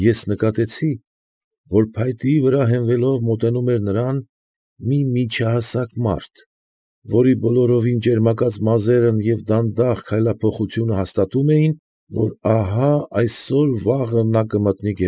Ես նկատեցի, որ փայտի վրա հենվելով մոտենում էր նրան մի միջահասակ մարդ, որի բոլորովին ճերմակած մազերն և դանդաղ քայլափոխությունը հաստատում էին, որ ահա այսօր֊վաղը նա կմտնի։